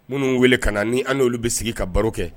Minnu wele ka na ni an'olu bɛ sigi ka baro kɛ